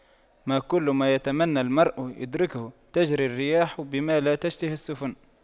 ما كل ما يتمنى المرء يدركه تجرى الرياح بما لا تشتهي السفن